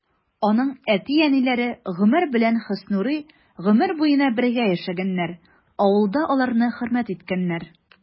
Аның әти-әниләре Гомәр белән Хөснурый гомер буена бергә яшәгәннәр, авылда аларны хөрмәт иткәннәр.